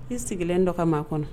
I sigilen dɔ ka maa kɔnɔ